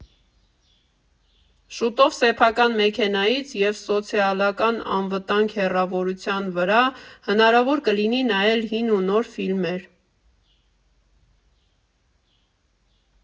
Շուտով սեփական մեքենայից և սոցիալական անվտանգ հեռավորության վրա հնարավոր կլինի նայել հին ու նոր ֆիլմեր։